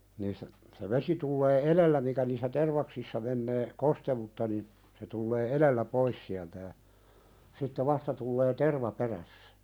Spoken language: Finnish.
niistä se vesi tulee edellä mikä niissä tervaksissa menee kosteutta niin se tulee edellä pois sieltä ja sitten vasta tulee terva perässä